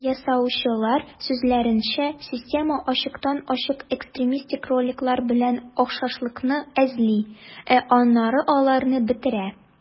Ясаучылар сүзләренчә, система ачыктан-ачык экстремистик роликлар белән охшашлыкны эзли, ә аннары аларны бетерә.